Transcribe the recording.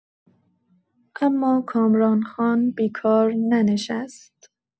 اما کامران‌خان بیکار ننشست.